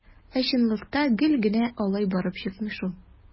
Ә чынлыкта гел генә алай барып чыкмый шул.